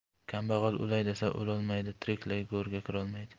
kambag'al o'lay desa o'lolmaydi tiriklay go'rga kirolmaydi